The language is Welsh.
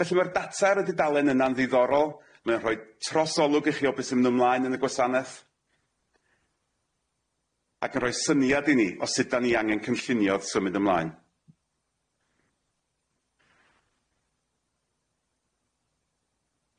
Felly ma'r data ar y dudalen yna'n ddiddorol mae o'n rhoi trosolwg i chi o be' sy'n myn' ymlaen yn y gwasaneth ac yn rhoi syniad i ni o sud 'dan ni angen cynllunio wth symud ymlaen.